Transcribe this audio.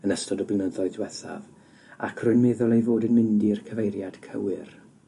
yn ystod y blynyddoedd diwethaf, ac rwy'n meddwl ei fod yn mynd i'r cyfeiriad cywir.